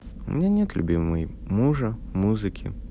у меня нет любимой мужа музыки